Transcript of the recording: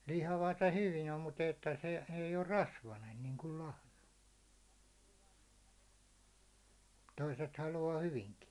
lihavat on hyviä mutta että se ei ole rasvainen niin kuin lahna toiset haluaa hyvinkin